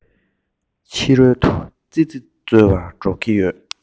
འབྲེལ བ ཅི ཞིག ཡོད པ ཡང མ ཤེས